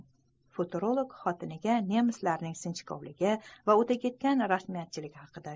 futurolog xotiniga nemislarning sinchkovligi va o'taketgan rasmiyatchiligi haqida